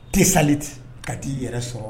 Te salen ka taa'i yɛrɛ sɔrɔ